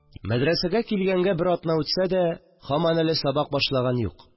Мәдрәсәгә килгәнгә бер атна үтсә дә, һаман әле сабак башлаган юк